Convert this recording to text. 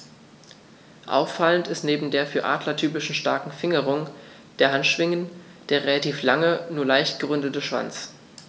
Auffallend ist neben der für Adler typischen starken Fingerung der Handschwingen der relativ lange, nur leicht gerundete Schwanz.